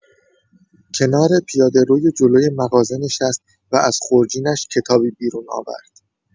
کنار پیاده‌روی جلوی مغازه نشست و از خورجینش کتابی بیرون آورد.